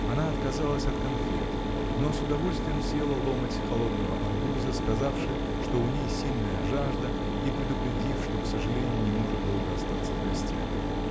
Она отказалась от конфект, но с удовольствием съела ломоть холодного арбуза, сказавши, что у ней сильная жажда, и предупредив, что, к сожалению, не может долго остаться с гостями.